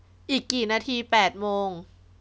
อีกกี่นาทีแปดโมง